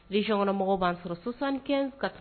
Sonɔnkaramɔgɔw b'an sɔrɔ sosan kɛ ka